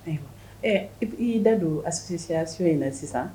I y'i da don asiya so in na sisan